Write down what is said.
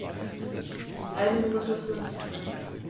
Eine Minute 50